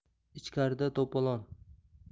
ichkarida to'polon